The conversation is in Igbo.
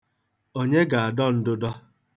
Onye ga-adọ ndụdọ?